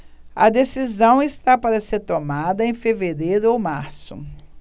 a decisão está para ser tomada em fevereiro ou março